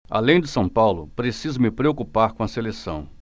além do são paulo preciso me preocupar com a seleção